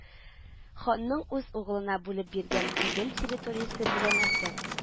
Ханның үз угылына бүлеп биргән «удел территориясе, биләмәсе»